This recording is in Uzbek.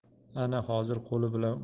ana hozir qo'li bilan